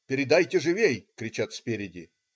Передайте живей!" - кричат спереди.